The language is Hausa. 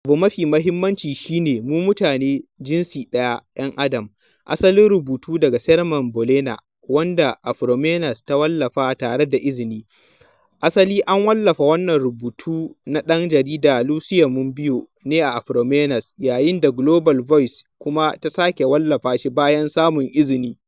“Abu mafi mahimmanci shi ne, mu mutane ne, jinsi ɗaya, ‘yan Adam.” Asalin rubutu daga Carmen Bolena, wanda Afroféminas ta wallafa tare da izini. Asali an wallafa wannan rubutu na ɗan jarida Lucía Mbomío ne a Afroféminas, yayin da Global Voices kuma ta sake wallafa shi bayan samun izini.